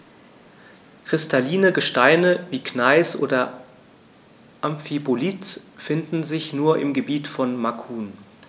Kristalline Gesteine wie Gneis oder Amphibolit finden sich nur im Gebiet von Macun.